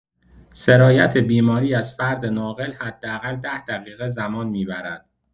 سرایت بیماری از فرد ناقل حداقل ۱۰ دقیقه زمان می‌برد.